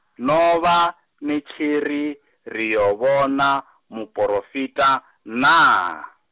no vha, ni tshiri, ri yo vhona, muporofita naa?